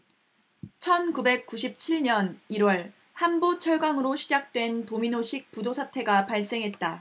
천 구백 구십 칠 년 일 월 한보 철강으로 시작된 도미노식 부도 사태가 발생했다